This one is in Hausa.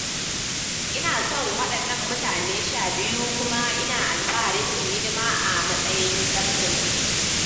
Ina son wadannan mutanen 12 kuma ina alfaharin yin hidima a matsayin kyaftin.